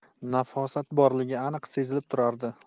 nafosat borligi aniq sezilib turardi